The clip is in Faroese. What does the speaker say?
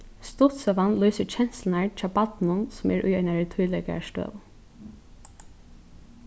stuttsøgan lýsir kenslurnar hjá barninum sum er í einari tílíkari støðu